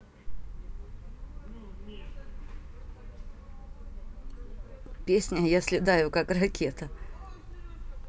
песня я следаю как ракета